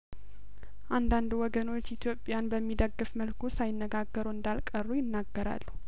አንዳንድ ወገኖች ኢትዮጵያን በሚደግፍ መልኩ ሳይነጋገሩ እንዳልቀሩ ይናገራሉ